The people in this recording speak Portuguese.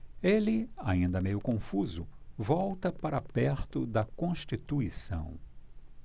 ele ainda meio confuso volta para perto de constituição